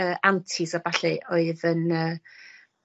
yy aunties a ballu oedd yn yy